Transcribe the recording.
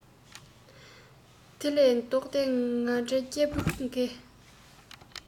དེ ལས ལྡོག སྟེ ང འདྲའི སྐྱེས བུ འགས